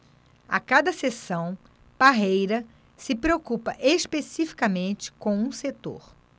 a cada sessão parreira se preocupa especificamente com um setor